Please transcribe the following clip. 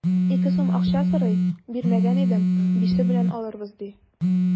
Ике сум акча сорый, бирмәгән идем, бише белән алырбыз, ди.